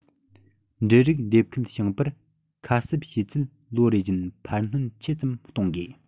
འབྲུ རིགས འདེབས མཁན ཞིང པར ཁ གསབ བྱེད ཚད ལོ རེ བཞིན འཕར སྣོན ཆེ ཙམ གཏོང དགོས